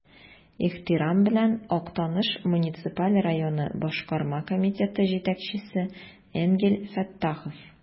Ихтирам белән, Актаныш муниципаль районы Башкарма комитеты җитәкчесе Энгель Фәттахов.